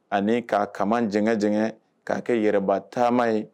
Ani k'a kaman jɛŋɛ-jɛŋɛ k'a kɛ yɛrɛba taama ye